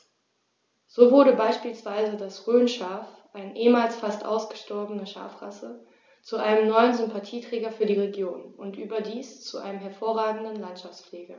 So wurde beispielsweise das Rhönschaf, eine ehemals fast ausgestorbene Schafrasse, zu einem neuen Sympathieträger für die Region – und überdies zu einem hervorragenden Landschaftspfleger.